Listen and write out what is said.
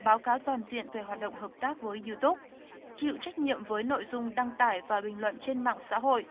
báo cáo toàn diện về hoạt động hợp tác với iu tút chịu trách nhiệm với nội dung đăng tải và bình luận trên mạng xã hội